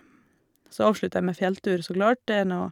Så avslutter jeg med fjelltur, så klart, det er nå...